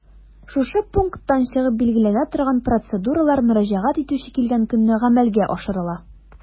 Шушы пункттан чыгып билгеләнә торган процедуралар мөрәҗәгать итүче килгән көнне гамәлгә ашырыла.